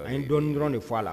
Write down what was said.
A ye dɔn dɔrɔn de fɔ' a la